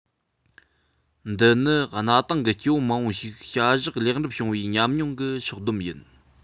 འདི ནི གནའ དེང གི སྐྱེ བོ མང པོ ཞིག བྱ གཞག ལེགས འགྲུབ བྱུང བའི ཉམས མྱོང གི ཕྱོགས བསྡོམས ཡིན